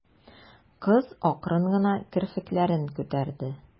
Кыз акрын гына керфекләрен күтәрде.